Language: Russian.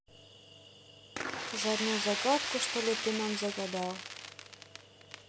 ж одну загадку что ли ты нам загадал